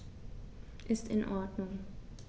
Ist in Ordnung.